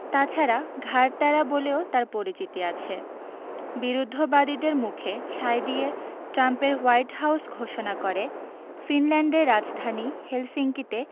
তা ছাড়া ঘাড় ত্যাড়া বলেও তাঁর পরিচিতি আছে বিরুদ্ধবাদীদের মুখে ছাই দিয়ে ট্রাম্পের হোয়াইট হাউস ঘোষণা করে ফিনল্যান্ডের রাজধানী হেলসিঙ্কিতে